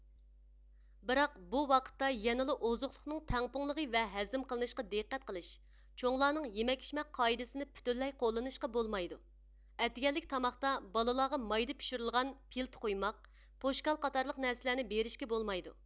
بىراق بۇ ۋاقىتتا يەنىلا ئوزۇقلۇقنىڭ تەڭپۇڭلۇقى ۋە ھەزىم قىلىنىشىغا دىققەت قىلىش چوڭلارنىڭ يېمەك ئىچمەك قائىدىسىنى پۈتۈنلەي قوللىنىشقا بولمايدۇ ئەتىگەنلىك تاماقتا بالىلارغا مايدا پىشۇرۇلغان پىلتە قۇيماق پوشكال قاتارلىق نەرسىلەرنى بېرىشكە بولمايدۇ